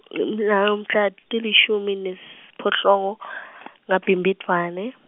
mhla tilishumi nasiphohlongo naBhimbidvwane.